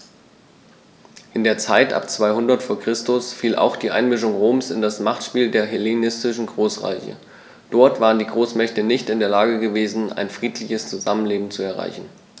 In die Zeit ab 200 v. Chr. fiel auch die Einmischung Roms in das Machtspiel der hellenistischen Großreiche: Dort waren die Großmächte nicht in der Lage gewesen, ein friedliches Zusammenleben zu erreichen.